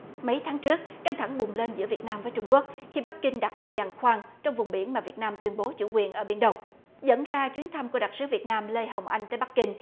mấy tháng trước căng thẳng bùng lên giữa việt nam với trung quốc khi bắc kinh đặt một giàn khoan trong vùng biển mà việt nam tuyên bố chủ quyền ở biển đông dẫn ra chuyến thăm của đặc sứ việt nam lê hồng anh tới bắc kinh